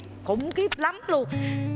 khủng khiếp lắm luôn